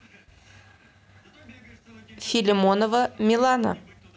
филимонова милана